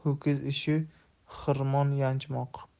ho'kiz ishi xirmon yanchmoq